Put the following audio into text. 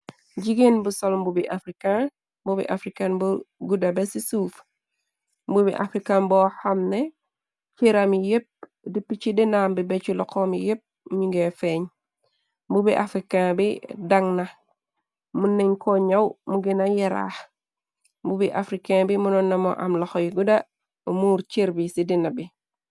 Jigéen bu sol mbubi african, mbubi african bu gudda be ci suuf. Mbubi african boo xamne cheram yi yépp, dippi ci dinaam bi becci loxom yi yépp mingeh feeñ. Mbubi africain bi, dang na. Mën nañ ko ñaw mu gena yaraax. Mbubi africain bi, mënoo namoo am loxo yu gudu, muur cherbi ci dena bi.